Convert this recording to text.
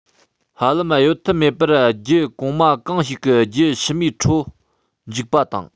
ཧ ལམ གཡོལ ཐབས མེད པར རྒྱུད གོང མ གང ཞིག གི རྒྱུད ཕྱི མའི ཁྲོད འཇིག པ དང